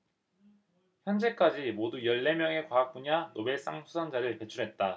현재까지 모두 열 네 명의 과학분야 노벨상 수상자를 배출했다